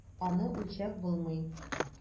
Аны үлчәп булмый.